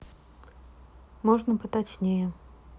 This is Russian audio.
можно поточнее